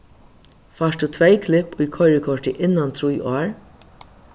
fært tú tvey klipp í koyrikortið innan trý ár